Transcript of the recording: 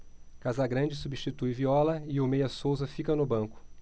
casagrande substitui viola e o meia souza fica no banco